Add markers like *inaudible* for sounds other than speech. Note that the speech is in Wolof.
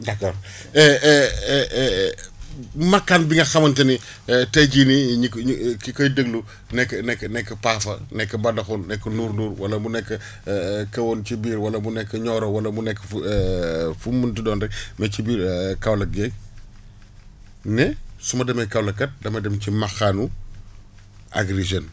d' accord *hesitation* makkaan bi nga xamante ni *breath* tey jii nii éni ko ñi *hesitation* ki koy déglu *breath* nekk nekk Paafa nekk Mbadakhoune nekk Nournour wala mu nekk *breath* *hesitation* Kahone ci biir wala mu nekk Nioro wala mu nekk *hesitation* fu mu munti doon rek *breath* ne ci biir *hesitation* Kaolack geeg ne su ma demee Kaolack kat dama dem ci makkaanu Agri Jeunes